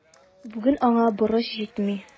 Бүген аңа борыч җитми.